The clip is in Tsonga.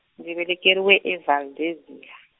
ndzi velekeriwe e- Valdevi- .